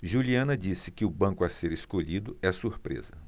juliana disse que o banco a ser escolhido é surpresa